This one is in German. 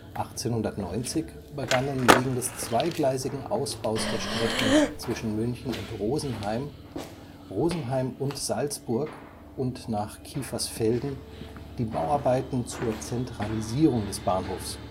1890 begannen wegen des zweigleisigen Ausbaus der Strecken zwischen München und Rosenheim (1894), Rosenheim und Salzburg (1895) und nach Kiefersfelden (1894) die Bauarbeiten zur Zentralisierung des Bahnhofes